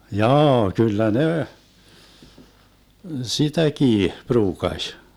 jaa kyllä ne sitäkin pruukasi